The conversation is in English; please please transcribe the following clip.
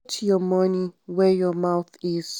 Put your money where your mouth is.